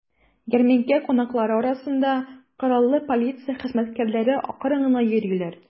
Ярминкә кунаклары арасында кораллы полиция хезмәткәрләре акрын гына йөриләр.